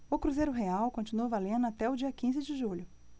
o cruzeiro real continua valendo até o dia quinze de julho